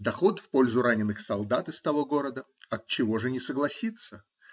Доход -- в пользу раненых солдат из того города; отчего же не согласиться?